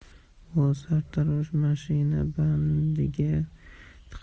vo sartarosh mashina bandiga